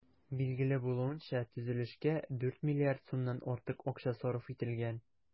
Билгеле булуынча, төзелешкә 4 миллиард сумнан артык акча сарыф ителгән.